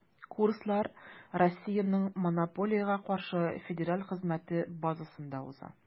Курслар Россиянең Монополиягә каршы федераль хезмәте базасында уза.